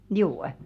juu